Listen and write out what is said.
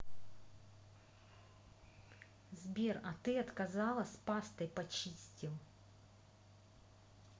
сбер а ты отказала с пастой почистил